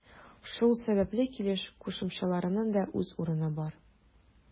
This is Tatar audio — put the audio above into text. Шул сәбәпле килеш кушымчаларының да үз урыны бар.